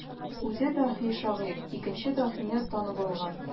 Үзе даһи шагыйрь икенче даһине танып алган.